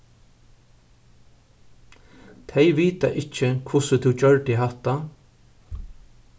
tey vita ikki hvussu tú gjørdi hatta